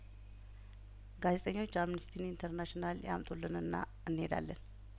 ጋዜጠኞች አምነስቲ ኢንተርናሽናል ያምጡ ልንና እንሄዳለን